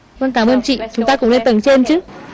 vâng cảm ơn chị chúng ta cùng lên tầng trên chứ